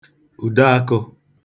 ùde akụ̄